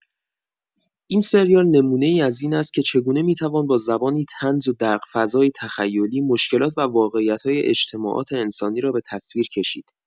این سریال نمونه‌ای از این است که چگونه می‌توان با زبانی طنز و در فضایی تخیلی، مشکلات و واقعیت‌های اجتماعات انسانی را به تصویر کشید.